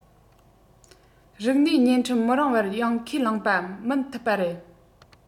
རིག ནུས བརྙན འཕྲིན མི རིང བར ཡང ཁས བླངས པ མིན ཐུབ པ རེད